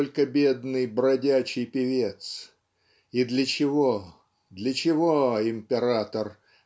только бедный бродячий певец И для чего для чего император